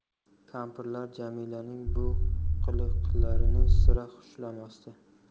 kampirlar jamilaning bu qiliqlarini sira xushlamasdi